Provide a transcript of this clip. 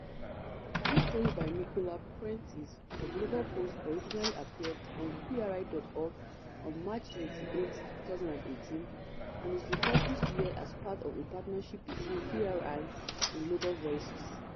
This story by Nicola Prentis for GlobalPost originally appeared on PRI.org on March 28, 2018, and is republished here as part of a partnership between PRI and Global Voices.